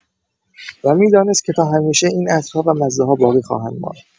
و می‌دانست که تا همیشه، این عطرها و مزه‌ها باقی خواهند ماند.